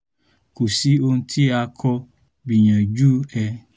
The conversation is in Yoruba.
Kò sí ohun tí a kò gbìyànjú ẹ̀.